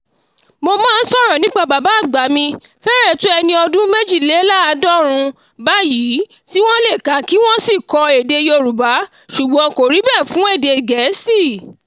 Mo máa ń sọ̀rọ̀ nípa bàbá àgbà mi (fẹ́rẹ̀ tó ẹni ọdún 92 báyìí) tí wọ́n lè kà kí wọ́n sì kọ èdè Yorùbá ṣùgbọ́n kò rí bẹ́ẹ̀ fún èdè Gẹ̀ẹ́sì.